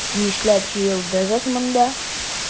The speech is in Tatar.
Нишләп җыелдыгыз монда?